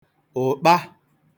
ụ̀kpa